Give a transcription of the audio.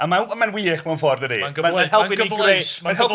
Mae'n wych mewn ffordd, dydi?...